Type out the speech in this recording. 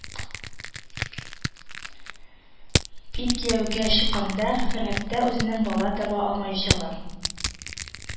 Бит кияүгә чыкканда фәргатькә үзенең бала таба алмаячагы